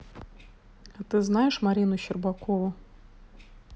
а ты знаешь марину щербакову